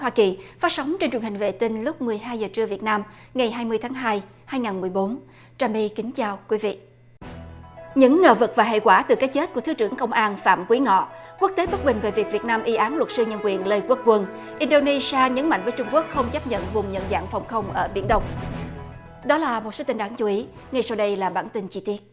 hoa kỳ phát sóng trên truyền hình vệ tinh lúc mười hai giờ trưa việt nam ngày hai mươi tháng hai hai ngàn mười bốn trà my kính chào quý vị những ngờ vực và hệ quả từ cái chết của thứ trưởng công an phạm quý ngọ quốc tế bất bình về việc việt nam y án luật sư nhân quyền lê quốc quân in đô nê si a nhấn mạnh với trung quốc không chấp nhận vùng nhận dạng phòng không ở biển đông đó là một số tin đáng chú ý ngay sau đây là bản tin chi tiết